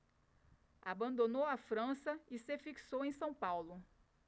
abandonou a frança e se fixou em são paulo